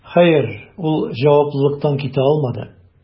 Хәер, ул җаваплылыктан китә алмады: